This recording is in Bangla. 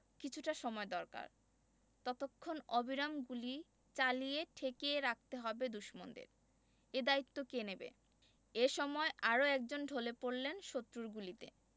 কিছুটা সময় দরকার ততক্ষণ অবিরাম গুলি চালিয়ে ঠেকিয়ে রাখতে হবে দুশমনদের এ দায়িত্ব কে নেবে এ সময় আরও একজন ঢলে পড়লেন শত্রুর গুলিতে